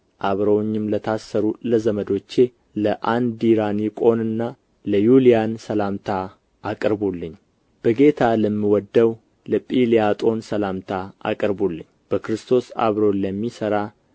አብረውኝም ለታሰሩ ለዘመዶቼ ለአንዲራኒቆንና ለዩልያን ሰላምታ አቅርቡልኝ በጌታ ለምወደው ለጵልያጦን ሰላምታ አቅርቡልኝ በክርስቶስ አብሮን ለሚሠራ